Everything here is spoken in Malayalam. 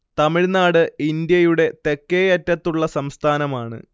തമിഴ്നാട് ഇന്ത്യയുടെ തെക്കേയറ്റത്തുള്ള സംസ്ഥാനമാണ്